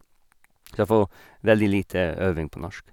Så jeg får veldig lite øving på norsk.